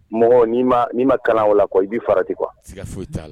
Mɔgɔ'i ma kalan o la kɔ i bɛ fara di kuwa t'a la